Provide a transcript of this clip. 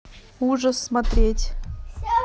ужас смотреть